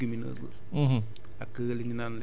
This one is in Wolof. ak ban xeetu légumineuse la